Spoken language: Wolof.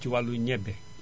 ci wàllu ñebe